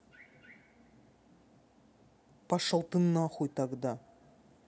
пошел ты нахуй тогда